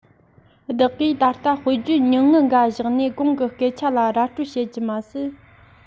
བདག གིས ད ལྟ དཔེ བརྗོད ཉུང ངུ འགའ བཞག ནས གོང གི སྐད ཆ ལ ར སྤྲོད བྱེད རྒྱུ མ ཟད